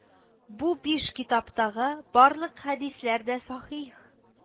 Бу биш китаптагы барлык хәдисләр дә сахих